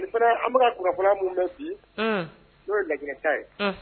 N an bɛka ka kunnafoni minnu bɛ bi n'o ye laginɛta ye